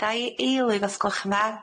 Ga i eilydd os gwelwch yn dda?